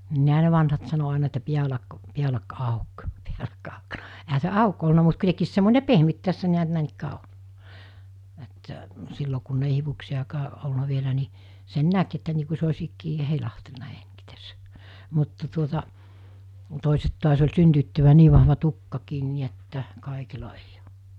niinhän ne vanhat sanoi aina että päälaki päälaki auki päälaki auki sanoi eihän se auki ollut mutta kuitenkin semmoinen pehmyt tässä näet näinikään oli että silloin kun ei hiuksiakaan ollut vielä niin sen näki että niin kuin se olisi ikään heilahdellut - mutta tuota toiset taas oli synnyttyään niin vahva tukkakin niin että kaikilla ei ole